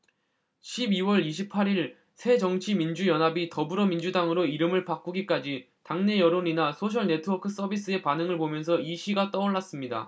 십 이 월 이십 팔 일 새정치민주연합이 더불어민주당으로 이름을 바꾸기까지 당내 여론이나 소셜네트워크서비스의 반응을 보면서 이 시가 떠올랐습니다